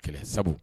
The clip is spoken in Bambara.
Kɛlɛ, sabu